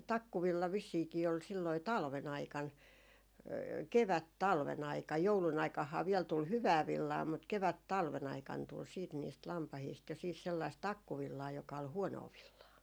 se takkuvilla vissiinkin oli sillä lailla talven aikana - kevättalven aikana joulun aikanahan vielä tuli hyvää villaa mutta - kevättalven aikana tuli sitten niistä lampaista jo siis sellaista takkuvillaa joka oli huonoa villaa